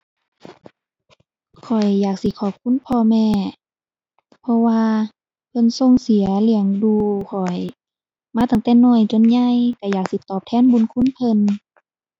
ข้อยอยากสิขอบคุณพ่อแม่ เพราะว่าเพิ่นส่งเสียเลี้ยงดูข้อยมาตั้งแต่น้อยจนใหญ่ ก็อยากสิตอบแทนบุญคุณเพิ่น